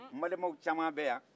nbalenmaw caman bɛ yan